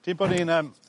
Deud bod ni'n yym